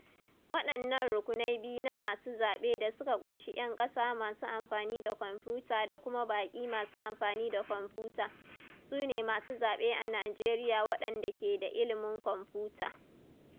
Waɗannan rukunai biyu na masu zaɓe, da suka ƙunshi 'yan ƙasa masu amfani da kwamfuta da kuma baƙi masu amfani da kwamfuta, su ne masu zaɓe a Nijeriya waɗanda ke da ilimin kwamfuta.